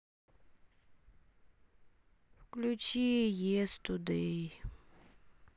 включи естудей